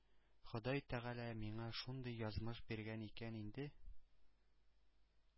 Ходай Тәгалә миңа шундый язмыш биргән икән инде,